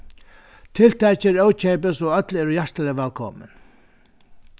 tiltakið er ókeypis og øll eru hjartaliga vælkomin